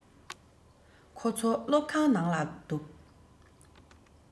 ཁོ ཚོ སློབ ཁང ནང ལ འདུག